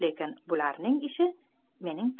lekin bu ularning ishi